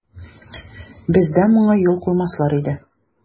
Бездә моңа юл куймаслар иде.